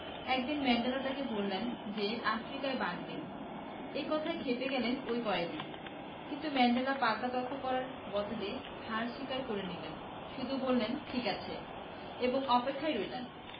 একদিন ম্যান্ডেলা তাঁকে বললেন যে আফ্রিকায় বাঘ নেই এ কথায় খেপে গেলেন ওই কয়েদি কিন্তু ম্যান্ডেলা পাল্টা তর্ক করার বদলে হার স্বীকার করে নিলেন শুধু বললেন ঠিক আছে এবং অপেক্ষায় রইলেন